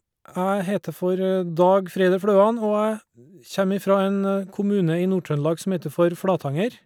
Jeg heter for Dag Freider Fløan, og jeg kjem ifra en kommune i Nord-Trøndelag som heter for Flatanger.